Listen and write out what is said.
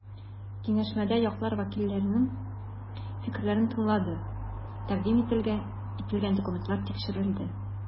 Киңәшмәдә яклар вәкилләренең фикерләре тыңланды, тәкъдим ителгән документлар тикшерелде.